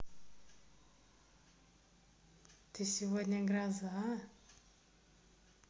ты сегодня гроза